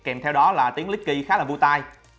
kèm theo đó là tiếng clicky khá là vui tai